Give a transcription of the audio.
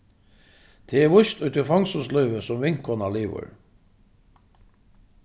tað er víst í tí fongsulslívi sum vinkonan livir